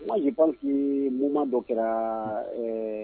Moi, je pense que mouvement dɔ kɛra de